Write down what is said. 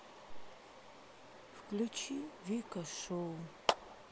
включи вика шоу